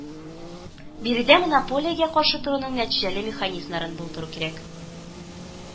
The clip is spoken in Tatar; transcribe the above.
Биредә монополиягә каршы торуның нәтиҗәле механизмнарын булдыру кирәк